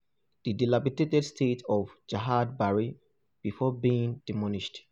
The dilapidated state of “Jahaj Bari” before being demolished.